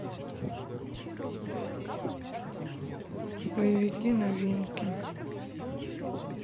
боевики новинки